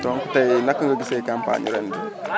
donc tey naka nga gisee campagne ñu ren bi